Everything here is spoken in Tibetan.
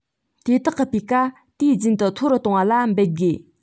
དེ དག གི སྤུས ཀ དུས རྒྱུན དུ མཐོ རུ གཏོང བ ལ འབད དགོས